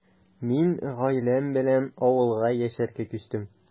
Мин гаиләм белән авылга яшәргә күчтем.